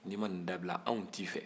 n'i ma nin dabila anw t'i fɛ